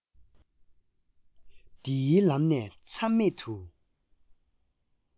འདིའི ལམ ནས མཚམས མེད དུ